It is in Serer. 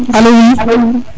alo oui